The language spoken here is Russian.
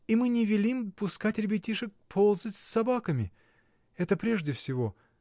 и мы не велим пускать ребятишек ползать с собаками — это прежде всего.